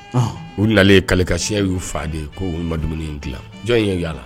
U nalen ye kalilekasiɲɛya y'u fa de ye ko ma dumuni in dilan jɔn in ye' la